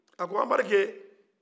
a ko anbarike